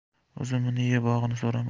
uzumini ye bog'ini so'rama